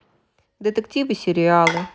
детективы сериалы